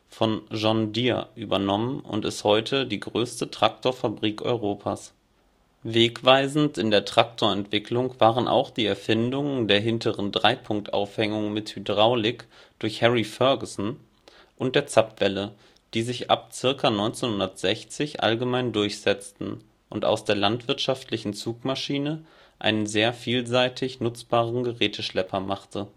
von John Deere übernommen und ist heute die größte Traktorfabrik Europas. Wegweisend in der Treckerentwicklung waren auch die Erfindungen der hinteren Dreipunktaufhängung mit Hydraulik (Dreipunkthydraulik) durch Harry Ferguson und der Zapfwelle, die sich ab ca. 1960 allgemein durchsetzten und aus der landwirtschaftlichen Zugmaschine einen sehr vielseitig nutzbaren Geräteschlepper machte